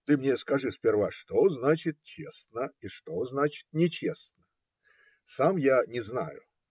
Ты мне скажи сперва, что значит честно и что значит нечестно. Сам я не знаю